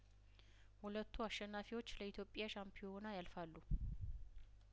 ሁለቱ አሸናፊዎች ለኢትዮጵያ ሻምፒዮና ያልፋሉ